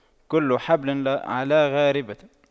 كل حبل على غاربه